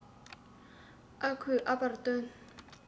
ཨ ཁུས ཨ ཕར སྟོན